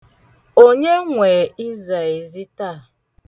Onye nwe ịza ezi taa?